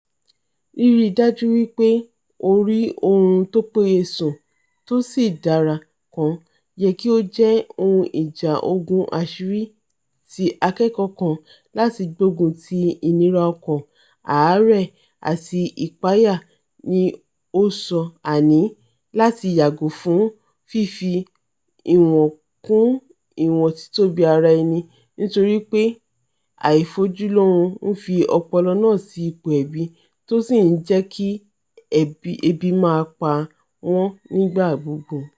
Ríríi dájú wí pé ó rí oorun tópéye sùn, tósì dára kan, yẹ kí ó jẹ́ 'ohun ìjà ogun àṣírí' ti akẹ́kọ̀ọ́ kan láti gbógun ti ìnira-ọkàn, àárẹ̀, àti ìpayà, ni ó sọ - àni láti yàgò fún fífi ìwọn kún ìwọn títóbi ara-ẹni, nítorípe àìfójúlóoorun ńfi ọpọlọ náà sí ipò ebi, tósì ńjẹ́kí ebi máa pa wọ́n nígbà gbogbo.